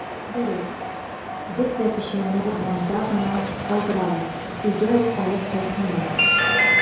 Дөрес, бездә печәнне урманда гына калдыралар, өйгә үк алып кайтмыйлар.